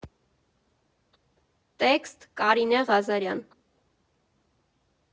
Տեքստ՝ Կարինե Ղազարյան։